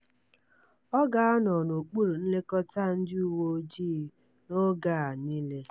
Ọ ga-anọ n'okpuru nlekọta ndị uwe ojii n'oge a niile.